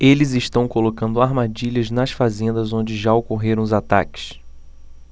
eles estão colocando armadilhas nas fazendas onde já ocorreram os ataques